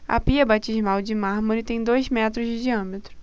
a pia batismal de mármore tem dois metros de diâmetro